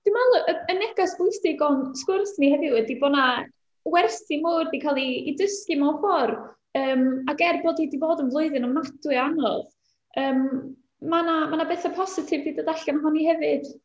Dwi'n meddwl y y neges bwysig o'n sgwrs ni heddiw ydy bo' 'na wersi mawr 'di cael eu eu dysgu, mewn ffordd. Yym, ac er bod hi 'di bod yn flwyddyn ofnadwy o anodd, yym, ma' 'na ma' 'na betha positif 'di dod allan ohoni hefyd.